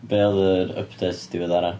Be oedd yr update diweddara?